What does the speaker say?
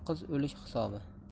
uzoq qiz o'lik hisobi